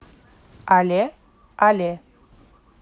але але